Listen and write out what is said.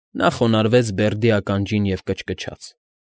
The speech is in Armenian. Նա խոնարհվեց Բերդի ականջին և կչկչաց։